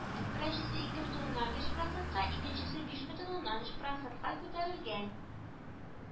Беренчесе ике бөтен уннан биш процентка, икенчесе биш бөтен уннан өч процентка күтәрелгән